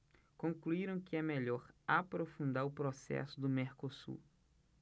concluíram que é melhor aprofundar o processo do mercosul